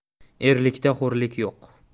erlikda xo'rlik yo'q